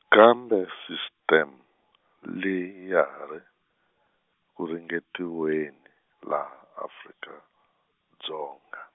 kambe sisiteme, leyi, ya ha ri, ku, ringeteriweni, laha, Afrika Dzonga.